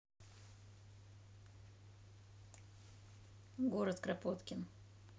город кропоткин